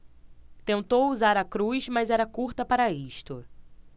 tentou usar a cruz mas era curta para isto